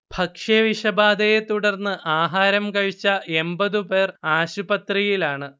ഭക്ഷ്യ വിഷബാധയെ തുടർന്ന് ആഹാരം കഴിച്ച എൺപതു പേർ ആശുപത്രിയിലാണ്